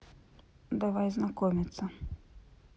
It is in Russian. давай знакомиться